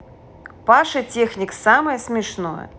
паша техник самое смешное